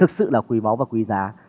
thực sự là quý báu và quý giá